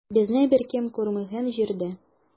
Безне беркем күрмәгән җирдә.